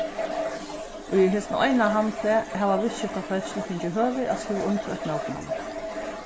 í hesum eina handli hava viðskiftafólkini fingið høvið at skriva undir eitt mótmæli